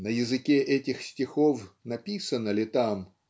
На языке этих стихов написано ли там